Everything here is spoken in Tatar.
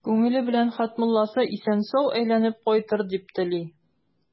Күңеле белән Хәтмулласы исән-сау әйләнеп кайтыр дип тели.